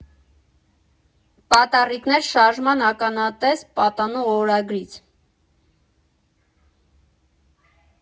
Պատառիկներ Շարժման ականատես պատանու օրագրից։